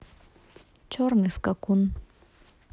черный скакун